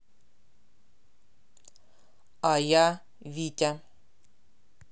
а я витя